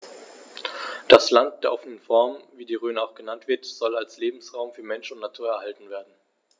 Das „Land der offenen Fernen“, wie die Rhön auch genannt wird, soll als Lebensraum für Mensch und Natur erhalten werden.